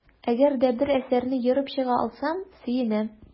Әгәр дә бер әсәрне ерып чыга алсам, сөенәм.